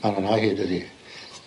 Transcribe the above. Ma' hwnna hir dydi?